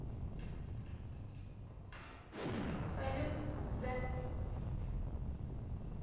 salut з